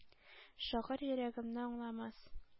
Шагыйрь йөрәгеме аңламас?